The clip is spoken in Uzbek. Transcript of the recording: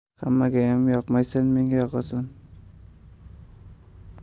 hammagayam yoqmaysan menga yoqasan